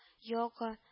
Йога